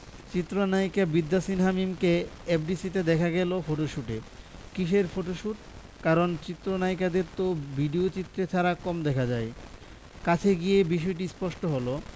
চিত্রনায়িকা বিদ্যা সিনহা মিমকে এফডিসিতে দেখা গেল ফটোশুটে কিসের ফটোশুট কারণ চিত্রনায়িকাদের তো ভিডিওচিত্রে ছাড়া কম দেখা যায় কাছে গিয়ে বিষয়টি স্পষ্ট হলো